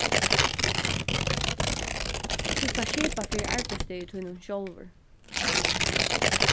tú skalt skipa fyri arbeiðsdegi tínum sjálvur